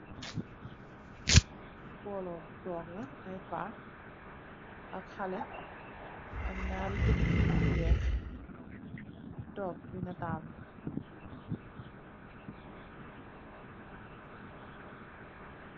Mboolo mu toog la, ay Paa, ak xalé, ak ñarri nit ñu weex, toog di nataalu.